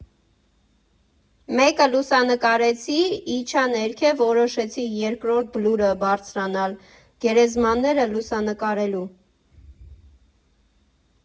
Մեկը լուսանկարեցի, իջա ներքև, որոշեցի երկրորդ բլուրը բարձրանալ՝ գերեզմանները լուսանկարելու։